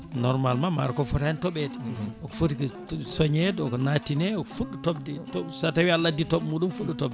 normalement maaro ko fotani tooɓede ko footi ko coñede ko natine fuɗɗo tobde tooɓa so tawi Allah addi tooɓo muɗum fuɗɗo tobde